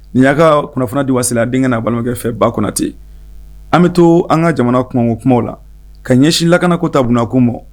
Ni y'ka kunnafoni diwasi a denkɛ balimakɛfɛ ba kunna ten an bɛ to an ka jamana kungo o kuma la ka ɲɛsin lakanako tabunakunmɔ